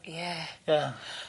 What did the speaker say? Ie. Ie.